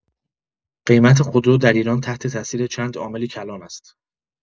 قیمت خودرو در ایران تحت‌تأثیر چند عامل کلان است.